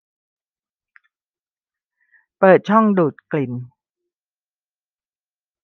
เปิดช่องดูดกลิ่น